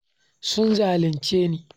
Sun zalunce ni!